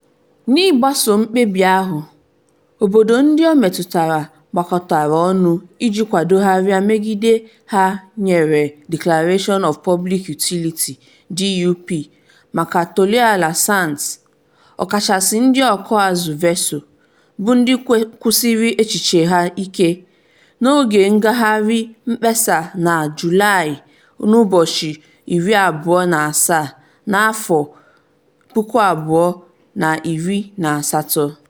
N'ịgbaso mkpebi [Kansụl] ahụ, obodo ndị o metụtara gbakọtara ọnụ iji kwadogharịa mmegide ha nyere Declarations of Public Utility (DUP) maka Toliara Sands, ọkachasị ndị ọkụazụ Vezo, bụ ndị kwusiri echiche ha ike… n'oge ngagharị mkpesa na Julaị 27, 2018.